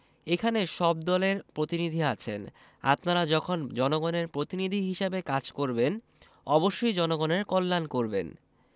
এখানে সব দলের প্রতিনিধি আছেন আপনারা যখন জনগণের প্রতিনিধি হিসেবে কাজ করবেন অবশ্যই জনগণের কল্যাণ করবেন